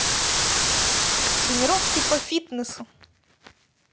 тренировки по фитнесу